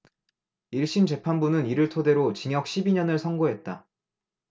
일 심 재판부는 이를 토대로 징역 십 이 년을 선고했다